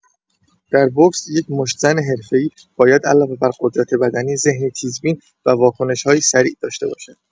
در بوکس، یک مشت‌زن حرفه‌ای باید علاوه بر قدرت‌بدنی، ذهنی تیزبین و واکنش‌هایی سریع داشته باشد.